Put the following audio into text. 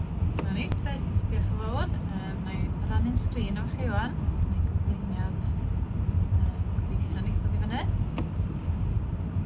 'Na ni, grêt, dioch yn fowr, yy wnai rannu'n sgrin efo chi ŵan, ma' gynnai gyflwyniad yym gobeithio neith ddod i fyny